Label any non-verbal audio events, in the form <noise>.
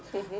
<hesitation> <hesitation>